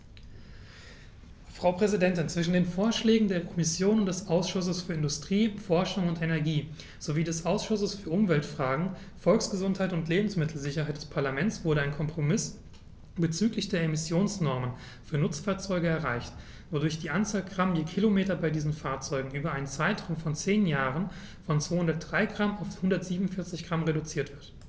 Frau Präsidentin, zwischen den Vorschlägen der Kommission und des Ausschusses für Industrie, Forschung und Energie sowie des Ausschusses für Umweltfragen, Volksgesundheit und Lebensmittelsicherheit des Parlaments wurde ein Kompromiss bezüglich der Emissionsnormen für Nutzfahrzeuge erreicht, wodurch die Anzahl Gramm je Kilometer bei diesen Fahrzeugen über einen Zeitraum von zehn Jahren von 203 g auf 147 g reduziert wird.